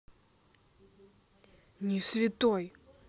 не святой